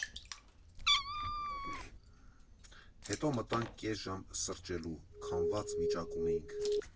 Հետո մտանք կես ժամ սրճելու՝ քամված վիճակում էինք։